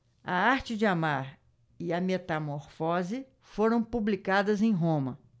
a arte de amar e a metamorfose foram publicadas em roma